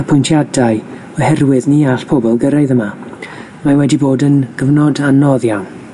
apwyntiadau oherwydd ni all pobol gyrraedd yma. Mae wedi bod yn gyfnod anodd iawn.